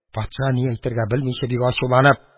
Патша, ни әйтергә белми, бик ачуланып